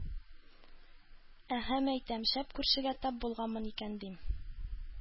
Әһә, мәйтәм, шәп күршегә тап булганмын икән, дим.